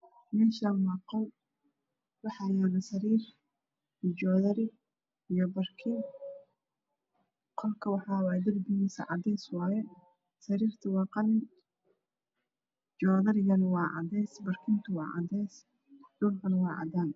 Mashan wax qol wax yalo sariin qalka waa jale sarirta waa garay